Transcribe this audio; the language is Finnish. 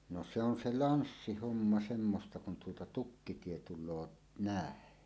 no se on se lanssihomma semmoista kun tuota tukkitie tulee näin